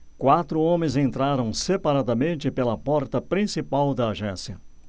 quatro homens entraram separadamente pela porta principal da agência